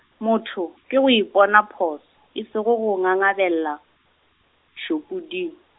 motho, ke go ipona phošo, e sego go ngangabela, šopoding.